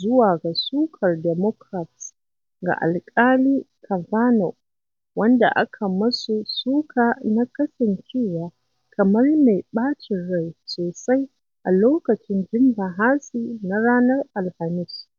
zuwa ga sukar Democrats ga Alƙali Kavanaugh, wanda aka masu suka na kasancewa kamar mai ɓacin rai sosai a lokacin jin bahasi na ranar Alhamis.